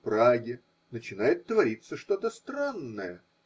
Праге начинает твориться что-то странное.